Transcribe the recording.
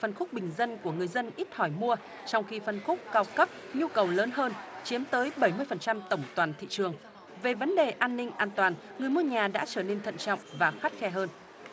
phân khúc bình dân của người dân ít hỏi mua trong khi phân khúc cao cấp nhu cầu lớn hơn chiếm tới bảy mươi phần trăm tổng toàn thị trường về vấn đề an ninh an toàn người mua nhà đã trở nên thận trọng và khắt khe hơn